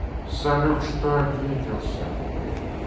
салют что обиделся